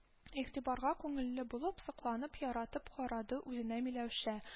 Игътибарга күңеле булып, сокланып, яратып карады үзенә Миләүшә